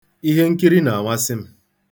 Ihenkiri na-amasị m.